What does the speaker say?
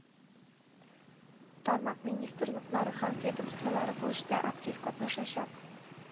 Тармак министрлыклары һәм ведомстволары бу эштә актив катнашачак